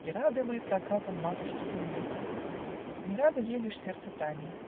И рады мы Проказам матушки зимы. Не радо ей лишь сердце Тани.